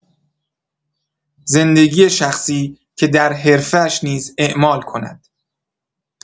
زندگی شخصی، که در حرفه‌اش نیز اعمال کند.